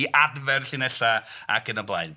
I adfer llinellau ac yn y blaen.